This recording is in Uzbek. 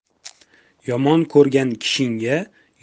yomon ko'rgan kishingga